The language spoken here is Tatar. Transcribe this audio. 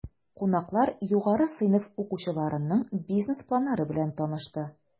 Кунаклар югары сыйныф укучыларының бизнес планнары белән танышты.